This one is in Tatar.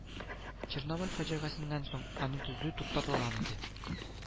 Чернобыль фаҗигасеннән соң аны төзү туктатылган иде